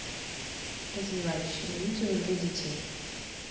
развивающее видео для детей